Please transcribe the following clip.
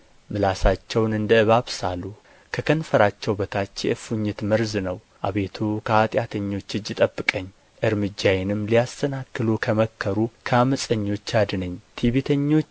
ምላሳቸውን እንደ እባብ ሳሉ ከከንፈራቸው በታች የእፉኝት መርዝ ነው አቤቱ ከኃጢአተኞች እጅ ጠብቀኝ እርምጃዬንም ሊያሰናክሉ ከመከሩ ከዓመፀኞች አድነኝ ትዕቢተኞች